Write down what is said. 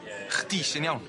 Chdi sy'n iawn.